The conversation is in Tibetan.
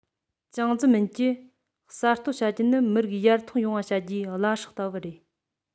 ཅང ཙེ རྨིན གྱི གསར གཏོད བྱ རྒྱུ ནི མི རིགས ཡར ཐོན ཡོང བ བྱ རྒྱུའི བླ སྲོག ལྟ བུ རེད